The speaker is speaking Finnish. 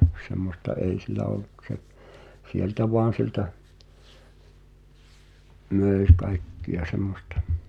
semmoista ei sillä ollut kun se sieltä vain sieltä myi kaikkea semmoista